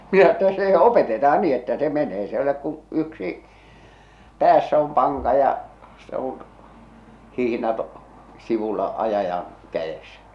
minä että se opetetaan niin että se menee se ei ole kuin yksi päässä on panka ja se on hihnat sivulla ajajan kädessä